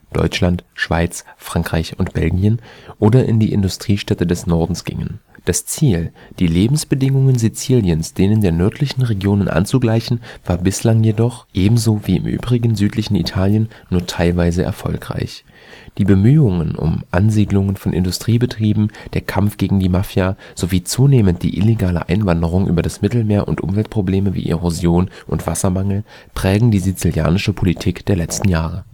Deutschland, Schweiz, Frankreich, Belgien) oder in die Industriestädte des Nordens gingen. Das Ziel, die Lebensbedingungen Siziliens denen der nördlichen Regionen anzugleichen, war bislang jedoch – ebenso wie im übrigen südlichen Italien – nur teilweise erfolgreich. Die Bemühungen um Ansiedlung von Industriebetrieben, der Kampf gegen die Mafia sowie zunehmend die illegale Einwanderung über das Mittelmeer und Umweltprobleme wie Erosion und Wassermangel prägen die sizilianische Politik der letzten Jahre